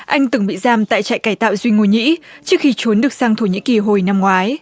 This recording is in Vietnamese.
anh từng bị giam tại trại cải tạo di ngô nhĩ trước khi trốn được sang thổ nhĩ kì hồi năm ngoái